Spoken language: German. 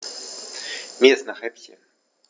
Mir ist nach Häppchen.